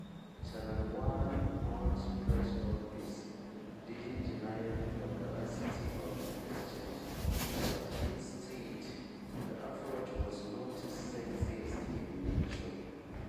Channel One’s own press office didn’t deny the veracity of the exchange, but insisted the approach was not sexist in nature.